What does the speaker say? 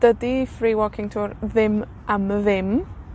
dydi free walking tour ddim am ddim.